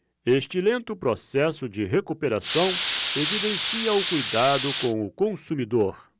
este lento processo de recuperação evidencia o cuidado com o consumidor